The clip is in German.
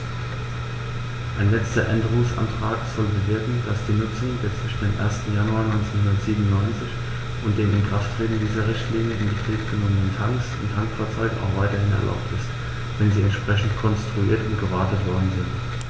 Ein letzter Änderungsantrag soll bewirken, dass die Nutzung der zwischen dem 1. Januar 1997 und dem Inkrafttreten dieser Richtlinie in Betrieb genommenen Tanks und Tankfahrzeuge auch weiterhin erlaubt ist, wenn sie entsprechend konstruiert und gewartet worden sind.